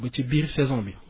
ba ci biir saison bi